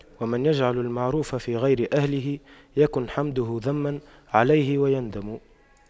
ومن يجعل المعروف في غير أهله يكن حمده ذما عليه ويندم